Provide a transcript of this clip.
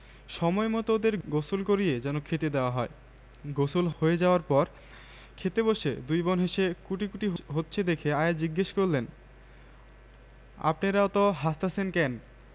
ওমা আমি নয়ন জলে ভাসি সোনার বাংলা আমি তোমায় ভালবাসি